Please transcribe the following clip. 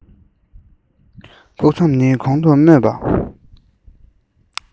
ཕུགས བསམ ནི གོང དུ སྨོས པ